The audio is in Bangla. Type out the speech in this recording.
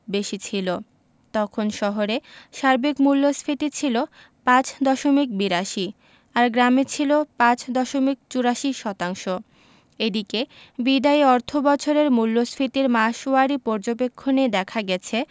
বেশি ছিল তখন শহরে সার্বিক মূল্যস্ফীতি ছিল ৫ দশমিক ৮২ আর গ্রামে ছিল ৫ দশমিক ৮৪ শতাংশ এদিকে বিদায়ী অর্থবছরের মূল্যস্ফীতির মাসওয়ারি পর্যবেক্ষণে দেখা গেছে